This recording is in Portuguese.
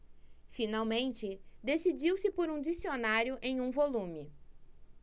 finalmente decidiu-se por um dicionário em um volume